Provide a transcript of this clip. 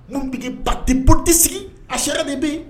' bɛ ba tɛp tɛ sigi a sariya de bɛ yen